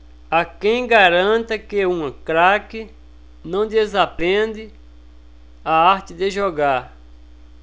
há quem garanta que um craque não desaprende a arte de jogar